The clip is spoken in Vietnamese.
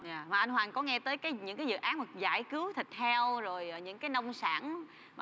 anh hoàng có nghe tới những dự án hoặc giải cứu thịt heo rồi ở những cái nông sản